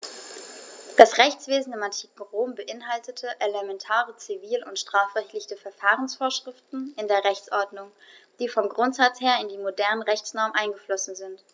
Das Rechtswesen im antiken Rom beinhaltete elementare zivil- und strafrechtliche Verfahrensvorschriften in der Rechtsordnung, die vom Grundsatz her in die modernen Rechtsnormen eingeflossen sind.